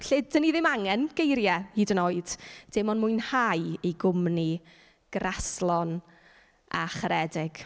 'Lly, dan ni ddim angen geiriau, hyd yn oed. Dim ond mwynhau ei gwmni graslon a charedig.